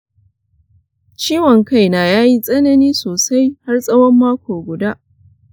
ciwon kaina ya yi tsanani sosai har tsawon mako guda.